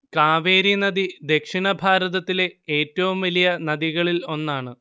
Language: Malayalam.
കാവേരി നദി ദക്ഷിണ ഭാരതത്തിലെ എറ്റവും വലിയ നദികളിൽ ഒന്നാണ്